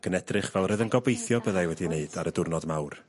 ac yn edrych fel roedd yn gobeithio byddai wedi wneud ar y diwrnod mawr.